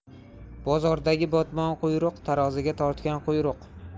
bozordagi botmon quyruq taroziga tortgan quyruq